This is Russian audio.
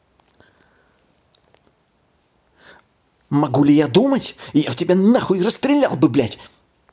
могу ли думать я в тебя нахуй расстрелял бы блядь